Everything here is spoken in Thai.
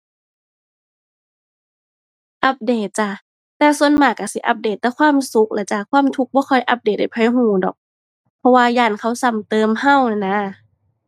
อัปเดตจ้า แต่ส่วนมากก็สิอัปเดตแต่ความสุขล่ะจ้ะ ความทุกข์บ่ค่อยอัปเดตให้ไผก็ดอก เพราะว่าย้านเขาซ้ำเติมก็นั้นนะ